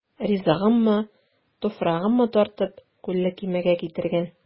Ризыгыммы, туфрагыммы тартып, Күлле Кимегә китергән.